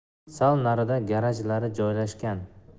sal narida garajlari joylashgan